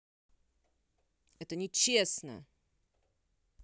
это нечестно